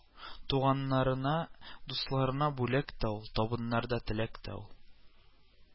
Туганнарына, дусларына бүләк тә ул, табыннарда теләк тә ул